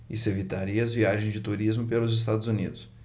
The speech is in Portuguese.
isso evitaria as viagens de turismo pelos estados unidos